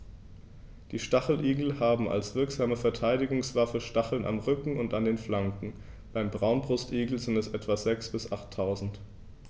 Die Stacheligel haben als wirksame Verteidigungswaffe Stacheln am Rücken und an den Flanken (beim Braunbrustigel sind es etwa sechs- bis achttausend).